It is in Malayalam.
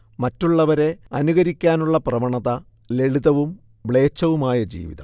മറ്റുള്ളവരെ അനുകരിക്കാനുള്ള പ്രവണത ലളിതവും മ്ലേച്ഛവുമായ ജീവിതം